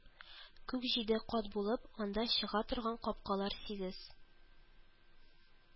Күк җиде кат булып, анда чыга торган капкалар сигез